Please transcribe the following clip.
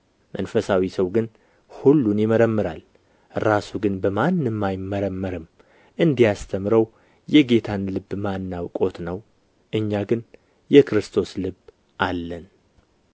መንፈሳዊ ሰው ግን ሁሉን ይመረምራል ራሱ ግን በማንም አይመረመርም እንዲያስተምረው የጌታን ልብ ማን አውቆት ነው እኛ ግን የክርስቶስ ልብ አለን